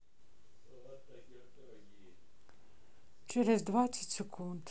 через двадцать секунд